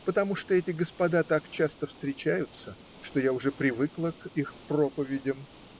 Потому что эти господа так часто встречаются, что я уже привыкла к их проповедям.